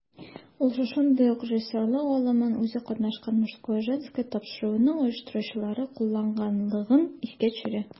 Ул шушындый ук режиссерлык алымын үзе катнашкан "Мужское/Женское" тапшыруының оештыручылары кулланганлыгын искә төшерә.